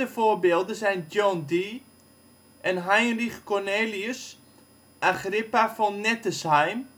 voorbeelden zijn John Dee en Heinrich Cornelius Agrippa von Nettesheim